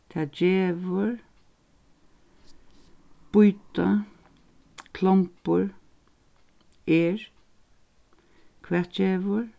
tað gevur býta klombur er hvat gevur